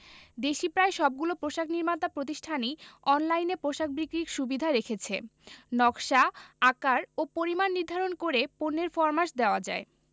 দেশি প্রায় সবগুলো পোশাক নির্মাতা প্রতিষ্ঠানই অনলাইনে পোশাক বিক্রির সুবিধা রেখেছে নকশা আকার ও পরিমাণ নির্ধারণ করে পণ্যের ফরমাশ দেওয়া যায়